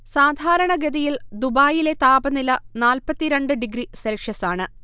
സാധാരണഗതിയിൽ ദുബായിലെ താപനില നാല്പ്പത്തിരണ്ട് ഡിഗ്രി സെൽഷ്യസാണ്